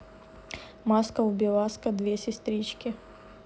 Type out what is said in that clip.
маска убиваска две сестрички